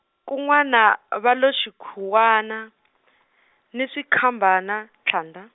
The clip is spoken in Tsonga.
kun'wana va lo swikhuwana, , ni swikambana tlhandla.